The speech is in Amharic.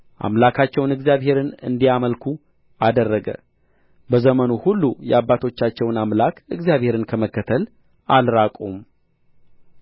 አምላካቸውን እግዚአብሔርን እንዲያመልኩ አደረገ በዘመኑ ሁሉ የአባቶቻቸውን አምላክ እግዚአብሔርን ከመከተል አልራቁም